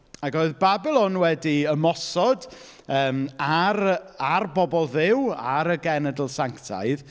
Ac oedd Babilon wedi ymosod, yym, ar, ar bobl Dduw, ar y genedl sanctaidd.